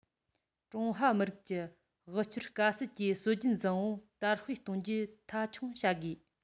ཀྲུང ཧྭ མི རིགས ཀྱི དབུལ སྐྱོར དཀའ སེལ གྱི སྲོལ རྒྱུན བཟང པོ དར སྤེལ གཏོང རྒྱུ མཐའ འཁྱོངས བྱ དགོས